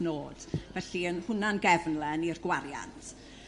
nod felly yn hwnna'n gefnlen i'r gwariant.